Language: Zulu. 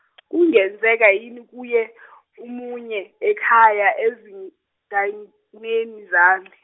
kungenzeka yini kuye omunye ekhaya ezinganeni zami.